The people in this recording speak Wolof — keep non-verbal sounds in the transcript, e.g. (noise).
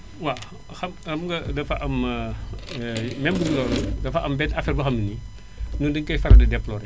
waw xam nga dafa am (hesitation) (noise) même budul loolu dafa am benn affaire boo xam ne nii ñun dañu koy faral di déploré